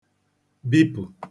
bipụ̀